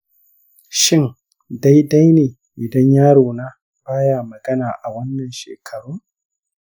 shin daidai ne idan yarona baya magana a wannan shekarun?